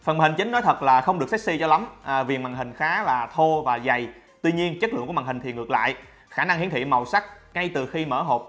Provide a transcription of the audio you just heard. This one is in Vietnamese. phần màn hình chính nói thật là không được sexy cho lắm viền màn hình khá là thô và dày tuy nhiên chất lượng của màn hình thì ngược lại khả năng hiển thị màu sắc ngay từ khi mở hộp